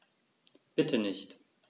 Bitte nicht.